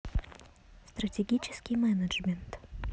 стратегический менеджмент